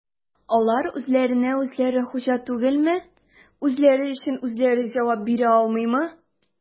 Алар үзләренә-үзләре хуҗа түгелме, үзләре өчен үзләре җавап бирә алмыймы?